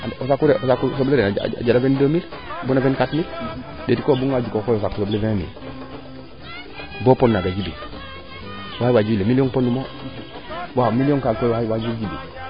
o saaqu soble a jara 22000 bo na 24000 njeeti koy o buga nga jikoor o saqu soble 20000 bo pod naaga Djiby a waay Djiby pod nu moo mi leyong kaaga koy